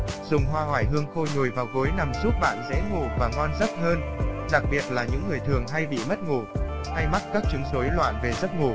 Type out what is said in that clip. dùng hoa oải hương khô nhồi vào gối nằm giúp bạn dễ ngủ và ngon giấc hơn đặc biệt là những người thường hay bị mất ngủ hay mắc các chứng rối loạn về giấc ngủ